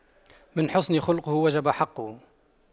من حسن خُلقُه وجب حقُّه